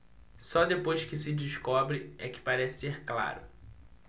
só depois que se descobre é que parece ser claro